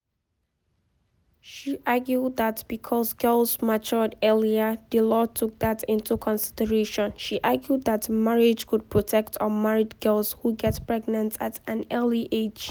She argued that because girls matured earlier, the law took that into consideration. She argued that marriage could protect unmarried girls who get pregnant at an early age.